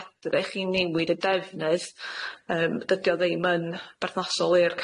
edrych i niwyd y defnydd yym dydi o ddim yn berthnasol i'r